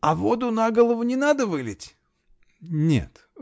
А воду на голову не надо вылить? -- Нет.